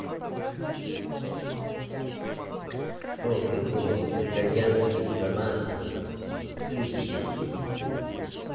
кто придумал итальянский дома gucci